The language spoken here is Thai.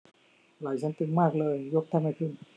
ไหล่ฉันตึงมากเลยยกแทบไม่ขึ้น